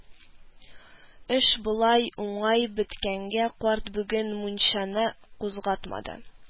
Эш болай уңай беткәнгә карт бүген мунчаны кузгатмады